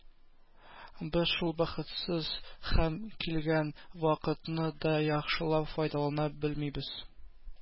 Без шул бәхетсез һәм килгән вакытны да яхшылап файдалана белмибез.